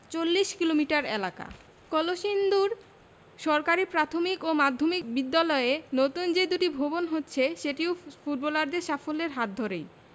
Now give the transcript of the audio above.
৪০ kilometre এলাকা কলসিন্দুর সরকারি প্রাথমিক ও মাধ্যমিক বিদ্যালয়ে নতুন যে দুটি ভবন হচ্ছে সেটিও ফুটবলারদের সাফল্যের হাত ধরেই